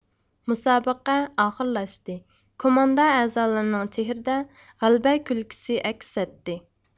مۇسابىقە ئاخىرلاشتى كوماندا ئەزالىرىنىڭ چېھرىدە غەلىبە كۈلكىسى ئەكس ئەتتى